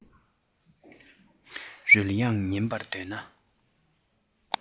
རོལ དབྱངས ཉན པར འདོད ན